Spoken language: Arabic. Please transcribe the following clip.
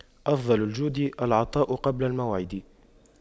أفضل الجود العطاء قبل الموعد